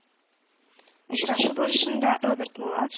Очрашу барышында Роберт Мулац